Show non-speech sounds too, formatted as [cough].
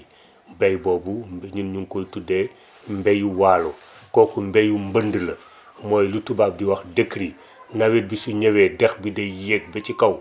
[breath] bay boobu ñun ñu ngi koy tuddee mbayu waalo [noise] kooku mbayu mbënd la mooy lu tubaab di wax décrue nawet bi su ñëwee dex bi day yéeg ba ci kaw